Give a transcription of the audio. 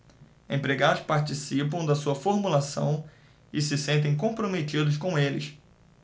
empregados participam da sua formulação e se sentem comprometidos com eles